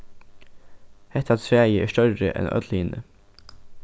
hetta træið er størri enn øll hini